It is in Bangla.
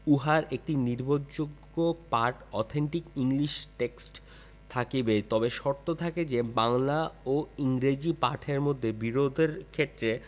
উহার একটি নির্ভরযোগ্য পাঠ অথেন্টিক ইংলিশ টেক্সট থাকিবে তবে শর্ত থাকে যে বাংলা ও ইংরেজী পাঠের মধ্যে বিরোধের ক্ষেত্রে